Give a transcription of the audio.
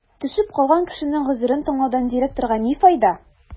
Төшеп калган кешенең гозерен тыңлаудан директорга ни файда?